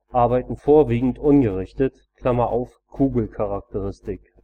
arbeiten vorwiegend ungerichtet (Kugelcharakteristik